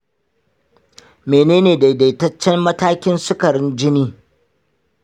mene ne dai-daitaccen matakin sukarin jini?